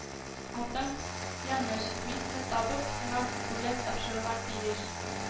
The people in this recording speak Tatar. Атым яныш, мин сине табып, сиңа бүләк тапшырырга тиеш